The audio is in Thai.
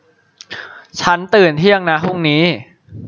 ฉันตื่นเที่ยงนะพรุ่งนี้